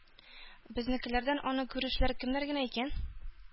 Безнекеләрдән аны күрүчеләр кемнәр генә икән?